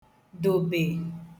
dòbè